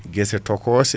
guesse tokose